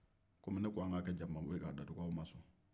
kɔmi ne ko an k'a kɛ jakumanbo ye k'a datugu aw ma sɔn